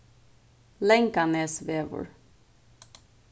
langanesvegur